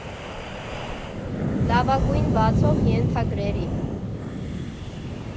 Լավագույն բացող ենթագրերի։